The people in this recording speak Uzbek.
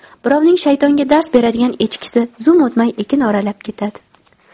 birovning shaytonga dars beradigan echkisi zum o'tmay ekin oralab ketadi